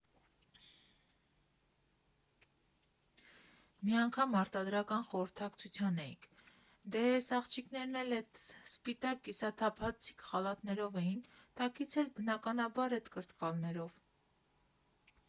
Մի անգամ արտադրական խորհրդակցության էինք, դե էս աղջիկներն էլ էտ սպիտակ կիսաթափանցիկ խալաթներով էին, տակից էլ բնականաբար էտ կրծքկալներով։